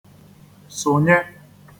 sụ̀nye